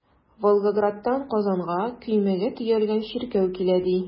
Волгоградтан Казанга көймәгә төялгән чиркәү килә, ди.